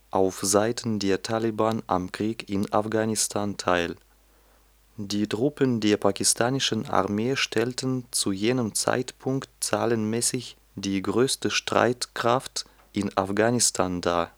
auf Seiten der Taliban am Krieg in Afghanistan teil. Die Truppen der pakistanischen Armee stellten zu jenem Zeitpunkt zahlenmäßig die größte Streitkraft in Afghanistan dar